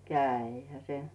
kävihän se